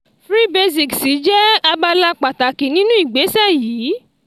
Free Basics jẹ́ abala pàtàkì nínú ìgbésẹ̀ yìí.